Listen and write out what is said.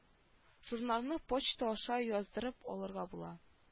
Журналны почта аша яздырып алырга була